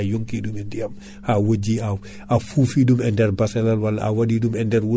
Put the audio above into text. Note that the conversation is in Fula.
ɗum ɗon foof hewani hebde produit awdi waɗiradi traité Aprostar ndi